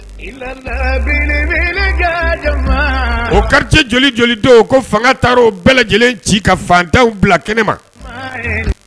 O quartier joli joli don ko fanga taara o bɛɛ lajɛlen ci ka fantanw bila kɛnɛ ma?